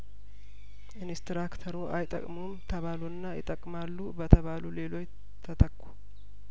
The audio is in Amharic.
ኢንስትራክተሩ አይጠቅሙም ተባሉና ይጠቅማሉ በተባሉ ሌሎች ተተኩ